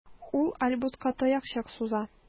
Ул Альбуска таякчык суза.